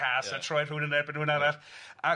a troi rhywun yn erbyn rhywun arall